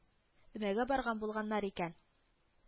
Өмәгә барган булганнар икән